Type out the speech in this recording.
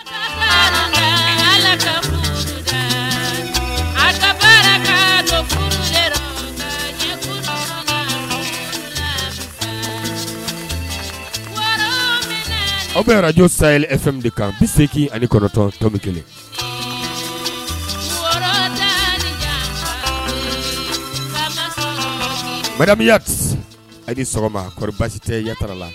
Aw bɛj jo sa kan bɛ segin ani kɔrɔtɔntɔnbi kelenmuya a sɔgɔma kɔrɔ baasi tɛ yara la